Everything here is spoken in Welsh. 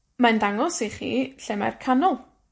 Mae'n dangos i chi lle mae'r canol.